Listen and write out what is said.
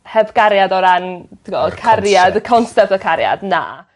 heb gariad o ran t'bod cariad y concept o cariad na.